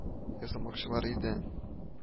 Ясамакчылар иде